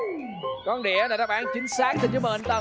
con đỉa con đỉa là đáp án chính xác xin chúc mừng anh tân